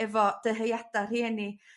efo dyheada' rhieni.